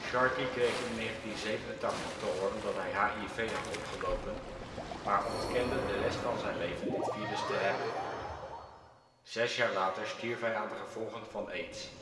Sharkey kreeg in 1987 te horen dat hij Hiv had opgelopen, maar ontkende de rest van zijn leven dit virus te hebben. Zes jaar later stierf hij aan de gevolgen van Aids